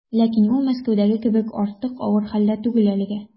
Ләкин ул Мәскәүдәге кебек артык авыр хәлдә түгел әлегә.